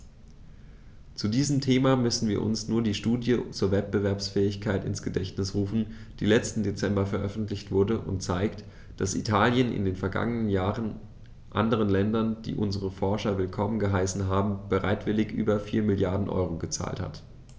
Zu diesem Thema müssen wir uns nur die Studie zur Wettbewerbsfähigkeit ins Gedächtnis rufen, die letzten Dezember veröffentlicht wurde und zeigt, dass Italien in den vergangenen Jahren anderen Ländern, die unsere Forscher willkommen geheißen haben, bereitwillig über 4 Mrd. EUR gezahlt hat.